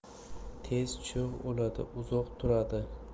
tez cho'g' oladi uzoq turadi